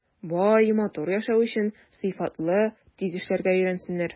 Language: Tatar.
Бай, матур яшәү өчен сыйфатлы, тиз эшләргә өйрәнсеннәр.